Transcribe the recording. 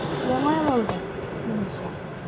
Яңа ел алды, минемчә.